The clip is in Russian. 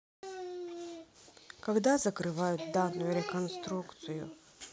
когда закрывают данную реконструкцию